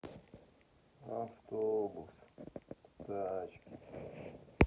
автобус тачки